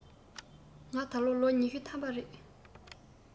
ང ད ལོ ལོ ཉི ཤུ ཐམ པ རེད